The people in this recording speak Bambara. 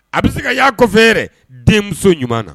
A bɛ se ka k'a kɔfɛ yɛrɛ denmuso ɲuman na.